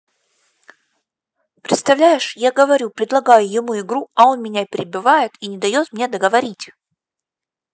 представляешь я говорю предлагаю ему игру а он меня перебивает и не дает мне договорить